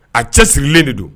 A cɛsirilen de don.